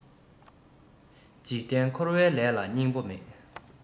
འཇིག རྟེན འཁོར བའི ལས ལ སྙིང པོ མེད